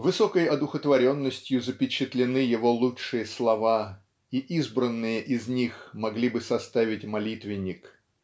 высокой одухотворенностью запечатлены его лучшие слова и избранные из них могли бы составить молитвенник.